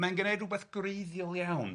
...mae'n gwneud rwbeth gwreiddiol iawn.